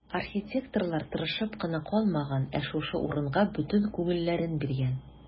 Архитекторлар тырышып кына калмаган, ә шушы урынга бөтен күңелләрен биргән.